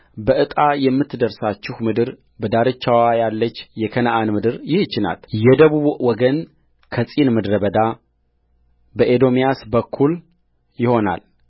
በዕጣ የምትደርሳችሁ ምድር በዳርቻዋ ያለች የከነዓን ምድርይህች ናት የደቡቡ ወገን ከጺን ምድረ በዳ በኤዶምያስ በኩል ይሆናል